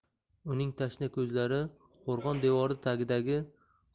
uning tashna ko'zlari qo'rg'on devori tagidagi